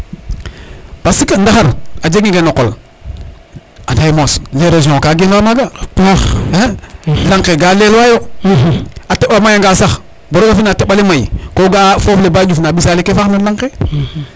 parce que ndaxar a jega nde no qol anda ye moos l' érosion ka genwa maga a paax laŋ ke ga leel wayo a teɓa maya nga sax bo roga fina a teɓale may ko ga a foof le ba ƴufna a mbisale ke faax na laŋke